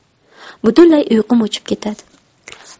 butunlay uyqum o'chib ketadi